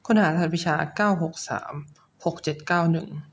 ค้นหารหัสวิชาเก้าหกสามหกเจ็ดเก้าหนึ่ง